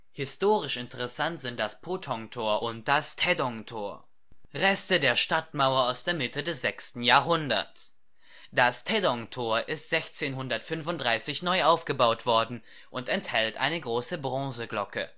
Historisch interessant sind das Pothong-Tor und das Taedong-Tor, Reste der Stadtmauer aus der Mitte des 6. Jahrhunderts. Das Taedong-Tor ist 1635 neu aufgebaut worden und enthält eine große Bronzeglocke